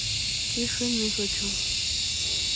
тишины хочу